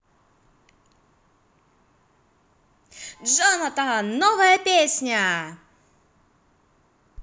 джонатан новая песня